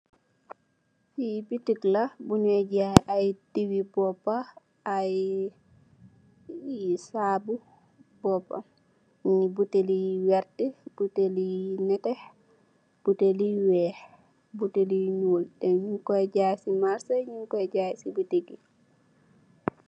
Fi bitik la Fu nyun jaay ay dewi bopa ay sabo bopa botal yu werta botale yu nete botale yu weex botale yu nuul tec ñyun ko jaay si marcxe nyun koi jaay si bitik.